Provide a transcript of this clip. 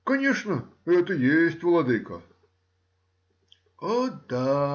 — Конечно, это есть, владыко. — О да